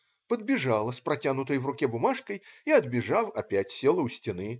Подбежала с протянутой в руке бумажкой и, отбежав, опять села у стены.